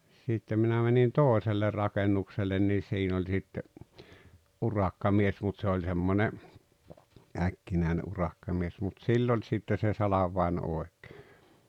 sitten minä menin toiselle rakennukselle niin siinä oli sitten urakkamies mutta se oli semmoinen äkkinäinen urakkamies mutta sillä oli sitten se salvain oikein